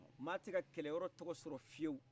mɔgɔ tɛ se ka kɛlɛyɔrɔ tɔgɔ sɔrɔ fewu